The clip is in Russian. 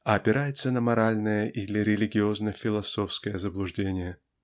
а опирается на моральное или религиозно-философское заблуждение.